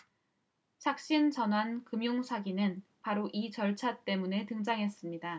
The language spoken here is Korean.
착신전환 금융사기는 바로 이 절차 때문에 등장했습니다